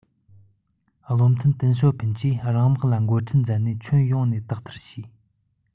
བློ མཐུན ཏེང ཞའོ ཕིན གྱིས རང དམག ལ འགོ ཁྲིད མཛད ནས ཁྱོན ཡོངས ནས དག ཐེར བྱས